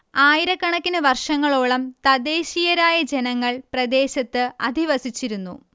ആയിരക്കണക്കിന് വർഷങ്ങളോളം തദ്ദേശീയരായ ജനങ്ങൾ പ്രദേശത്ത് അധിവസിച്ചിരുന്നു